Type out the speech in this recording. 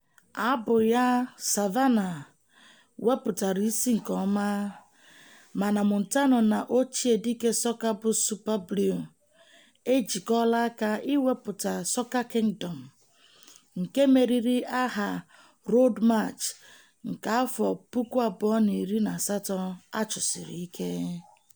Abụ ya, "Savannah", bụ wepụtara isi nke ọma, mana Montano na ochiedike sọka bụ Superblue ejikọọla aka iwepụta "Soca Kingdom", nke meriri aha Road March 2018 a chọsiri ike.